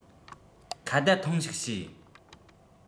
ཁ བརྡ ཐེངས ཤིག བྱས